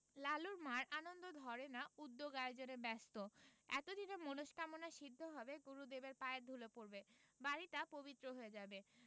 লালুর মা'র আনন্দ ধরে না উদ্যোগ আয়োজনে ব্যস্ত এতদিনে মনস্কামনা সিদ্ধ হবে গুরুদেবের পায়ের ধুলো পড়বে বাড়িটা পবিত্র হয়ে যাবে